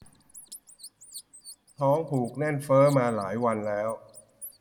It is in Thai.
ท้องผูกแน่นเฟ้อมาหลายวันแล้ว